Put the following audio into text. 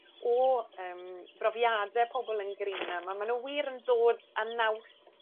o yym brofiade pobol yn Greenham a ma' nw wir yn dod a naws